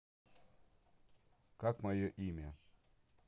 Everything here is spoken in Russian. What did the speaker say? как мое имя